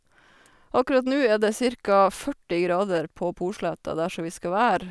Akkurat nå er det cirka førti grader på Posletta der som vi skal være.